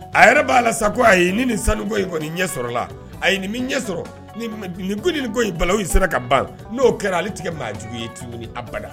A yɛrɛ b'a la sa ko ayi nin ni seliko in kɔni ɲɛ sɔrɔ la ayi ye nin bɛ ɲɛ sɔrɔ ni ko in balawu sera ka ban n'o kɛra ale te kɛ maajugu ye tuguni